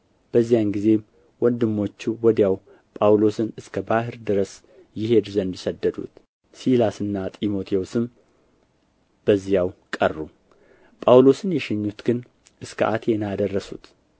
በዚያን ጊዜም ወንድሞቹ ወዲያው ጳውሎስን እስከ ባሕር ድረስ ይሄድ ዘንድ ሰደዱት ሲላስና ጢሞቴዎስም በዚያው ቀሩ ጳውሎስን የሸኙት ግን እስከ አቴና አደረሱት